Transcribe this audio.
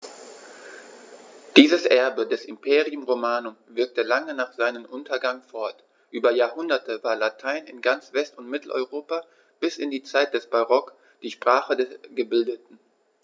Dieses Erbe des Imperium Romanum wirkte lange nach seinem Untergang fort: Über Jahrhunderte war Latein in ganz West- und Mitteleuropa bis in die Zeit des Barock die Sprache der Gebildeten.